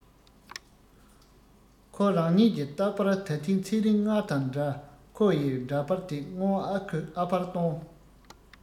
ཁོ རང ཉིད ཀྱི རྟག པར ད ཐེངས ཚེ རིང སྔར དང འདྲ ཁོ ཡི འདྲ པར དེ སྔོན ཨ ཁུས ཨ ཕར སྟོན